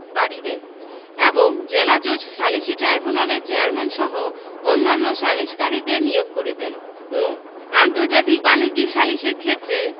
পারিবে এবং জেলাজজ সালিসী ট্রাইব্যুনালের চেয়ারম্যানসহ অন্যান্য সালিসকারীদের নিয়োগ করিবেন ঙ আন্তর্জাতিক বাণিজ্যিক সালিসের ক্ষেত্রে